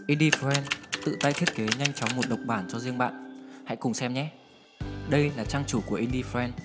indyfriend vn tự tay thiết kế nhanh chóng một độc bản cho riêng bạn hãy cùng xem nhé đây là trang chủ của indy friend